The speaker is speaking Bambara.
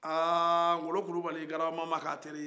aa ngolo kulibali ye garabamama kɛ a teri ye